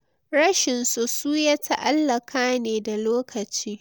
Rashin so su ya ta’allaka ne da lokaci.